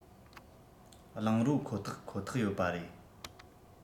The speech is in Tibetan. རླངས རོ ཁོ ཐག ཁོ ཐག ཡོད པ རེད